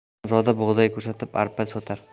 haromzoda bug'doy ko'rsatib arpa sotar